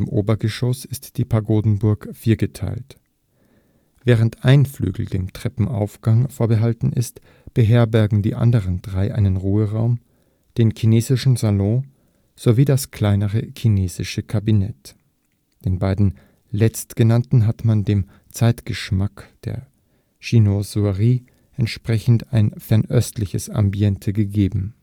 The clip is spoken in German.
Obergeschoss ist die Pagodenburg viergeteilt. Während ein Flügel dem Treppenaufgang vorbehalten ist, beherbergen die anderen drei einen Ruheraum, den Chinesischen Salon sowie das kleinere Chinesische Kabinett. Den beiden letztgenannten hat man, dem Zeitgeschmack der Chinoiserie entsprechend, ein fernöstliches Ambiente gegeben